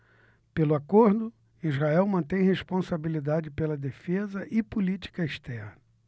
pelo acordo israel mantém responsabilidade pela defesa e política externa